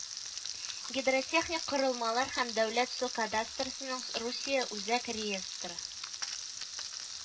Гидротехник Корылмалар һәм дәүләт су кадастрсының Русия Үзәк реестры